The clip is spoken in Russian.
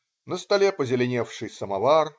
На столе позеленевший самовар.